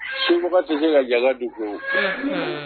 Sumɔgɔw tɛ se ka ja du ko